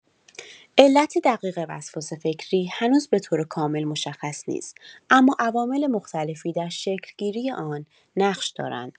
علت دقیق وسواس فکری هنوز به‌طور کامل مشخص نیست، اما عوامل مختلفی در شکل‌گیری آن نقش دارند.